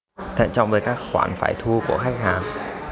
thận trọng với các khoản phải thu của khách hàng